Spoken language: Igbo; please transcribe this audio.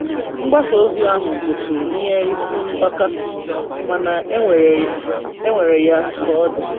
Mgbasa ozi ahụ bụtụ ihe isi mgbaka mana enwere ya ka ọ dị.